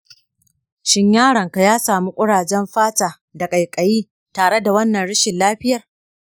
shin yaronka ya sami kurajen fata ko ƙaiƙayi tare da wannan rashin lafiyar?